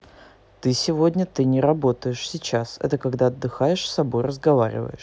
ты сегодня ты не работаешь сейчас это когда отдыхаешь собой разговариваешь